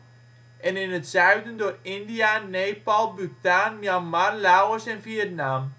en in het zuiden door India, Nepal, Bhutan, Myanmar, Laos en Vietnam